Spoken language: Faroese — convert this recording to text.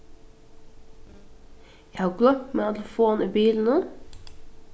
eg havi gloymt mína telefon í bilinum